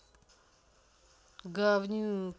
говнюк